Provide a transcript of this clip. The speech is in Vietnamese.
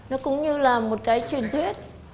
nó cũng như là một cái truyền thuyết